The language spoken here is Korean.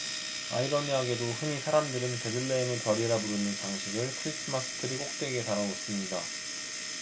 아이러니하게도 흔히 사람들은 베들레헴의 별이라 부르는 장식을 크리스마스트리 꼭대기에 달아 놓습니다